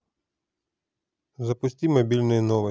запусти мобильные новости